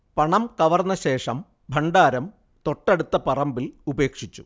പണം കവർന്നശേഷം ഭണ്ഡാരം തൊട്ടടുത്ത പറമ്പിൽ ഉപേക്ഷിച്ചു